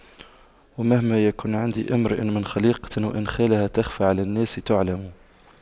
ومهما يكن عند امرئ من خَليقَةٍ وإن خالها تَخْفَى على الناس تُعْلَمِ